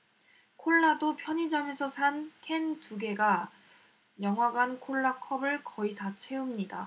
콜라도 편의점에서 산 캔 두 개가 영화관 콜라 컵을 거의 다 채웁니다